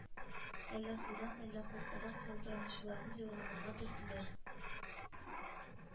Әллә судан, әллә куркудан калтыранучыларны юрганнарга төрделәр